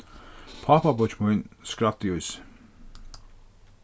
pápabeiggi mín skræddi í seg